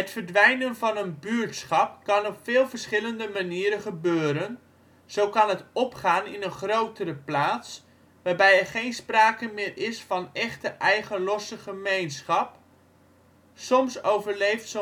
verdwijnen van een buurtschap kan op veel verschillende manieren gebeuren, zo kan het opgaan in een grotere plaats, waarbij er geen sprake meer is van echte eigen losse gemeenschap. Soms overleeft